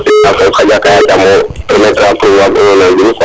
parce que xaƴa ka i ndam u ten taxu waag inumo nan gilu quoi